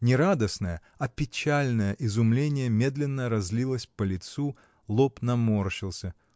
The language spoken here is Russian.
не радостное, а печальное изумление медленно разлилось по лицу, лоб наморщился.